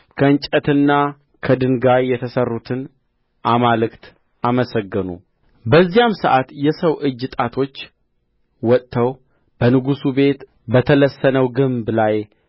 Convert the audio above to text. ከእንጨትና ከድንጋይ የተሠሩትን አማልክት አመሰገኑ በዚያም ሰዓት የሰው እጅ ጣቶች ወጥተው በንጉሡ ቤት በተለሰነው ግንብ ላይ